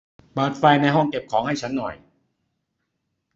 เปิดไฟในห้องเก็บของให้ฉันหน่อย